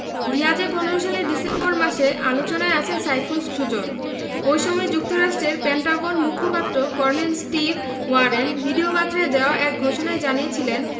২০১৫ সালের ডিসেম্বর মাসে আলোচনায় আসেন সাইফুল সুজন ওই সময় যুক্তরাষ্টের পেন্টাগন মুখপাত্র কর্নেল স্টিভ ওয়ারেন ভিডিওবার্তায় দেওয়া এক ঘোষণায় জানিয়েছিলেন